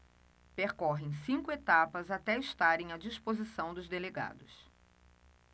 percorrem cinco etapas até estarem à disposição dos delegados